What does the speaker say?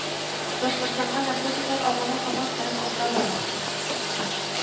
Башкортстанга наркотиклар агымы һаман саен арта бара